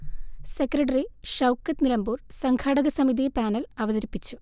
secretary Shoukath Nilambur സംഘാടക സമിതി panel അവതരിപ്പിച്ചു